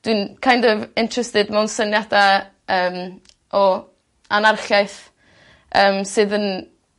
dwi'n kind of interested mewn syniada yym o anarchiaeth yym sydd yn